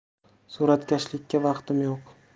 suratkashlikka vaqtim yo'q